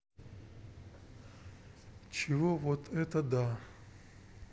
чего вот это да